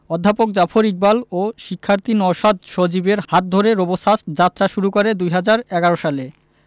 অধ্যাপক জাফর ইকবাল ও শিক্ষার্থী নওশাদ সজীবের হাত ধরে রোবোসাস্ট যাত্রা শুরু করে ২০১১ সালে